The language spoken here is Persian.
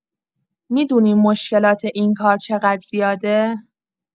می‌دونی مشکلات این کار چقدر زیاده؟